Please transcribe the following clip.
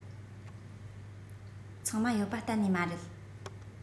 ཚང མ ཡོད པ གཏན ནས མ རེད